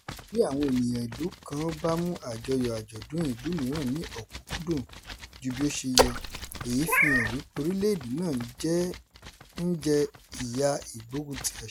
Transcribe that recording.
Bí àwọn ènìyàn ìlú kan bá mú àjọyọ̀ àjọ̀dún ìlú mìíràn ní òkúnkúndùn ju bí ó ṣe yẹ, èyí fi hàn wípé orílẹ̀-èdè náà ń jẹ ìyà ìgbógunti àṣà.